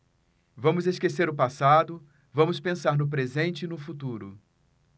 vamos esquecer o passado vamos pensar no presente e no futuro